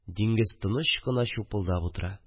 Диңгез тыныч кына чупылдап утыра